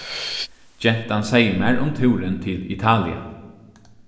gentan segði mær um túrin til italia